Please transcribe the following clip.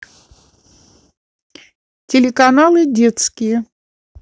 телеканалы детские